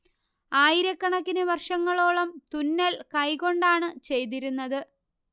ആയിരക്കണക്കിന് വർഷങ്ങളോളം തുന്നൽ കൈകൊണ്ടാണ് ചെയ്തിരുന്നത്